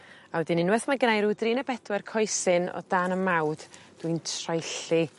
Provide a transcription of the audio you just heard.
A wedyn unweth mae gynnai ryw dri ne' bedwer coesyn o dan 'ym mawd dwi'n troelli